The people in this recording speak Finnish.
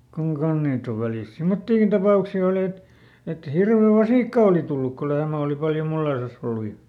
kun kanssa niitä on välistä semmoisiakin tapauksia oli että että hirven vasikka oli tullut kun lehmä oli paljon mulleissaan ollut ja